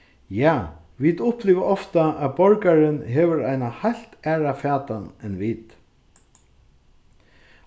ja vit uppliva ofta at borgarin hevur eina heilt aðra fatan enn vit